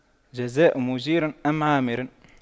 جزاء مُجيرِ أُمِّ عامِرٍ